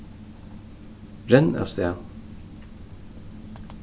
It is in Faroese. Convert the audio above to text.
renn avstað